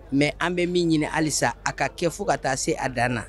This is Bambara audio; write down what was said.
Mɛ an bɛ min ɲini halisa a ka kɛ fo ka taa se ad na